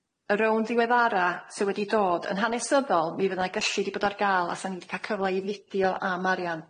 Ar rownd ddiweddara sy wedi dod yn hanesyddol mi fyddai gyllid di bod ar ga'l a san ni di ca'l cyfla i fidio am arian.